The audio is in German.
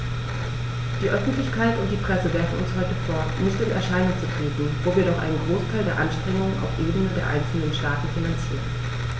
Die Öffentlichkeit und die Presse werfen uns heute vor, nicht in Erscheinung zu treten, wo wir doch einen Großteil der Anstrengungen auf Ebene der einzelnen Staaten finanzieren.